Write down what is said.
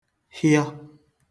hịọ